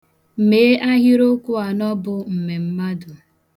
Mee ahịrịokwụ anọ bụ mmemmadu.